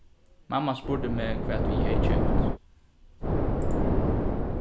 mamma spurdi meg hvat ið eg hevði keypt